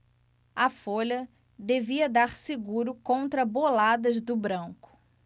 a folha devia dar seguro contra boladas do branco